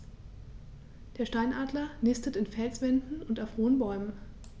Der Steinadler nistet in Felswänden und auf hohen Bäumen.